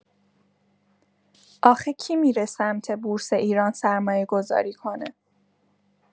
آخه کی می‌ره سمت بورس ایران سرمایه‌گذاری کنه؟